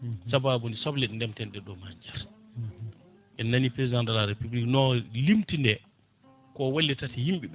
saababude soble ɗe ndemten ɗe ɗo ma *en nani président de la république no limti nde ko wallitata yimɓeɓe